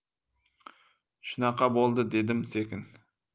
shunaqa bo'ldi dedim sekin